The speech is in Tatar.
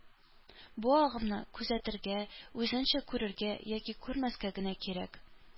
Бу агымны күзәтергә, үзеңчә күрергә, яки күрмәскә генә кирәк